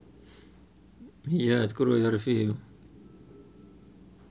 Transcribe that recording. я открой орфею